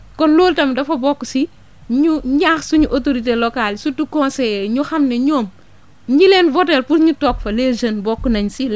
kon loolu tamit dafa bokk si ñu ñaax suñu autorités locales yi surtout conseillers yi ñu xam ne ñoom ñi leen voté pour ñu toog fa les jeunes bokk nañ si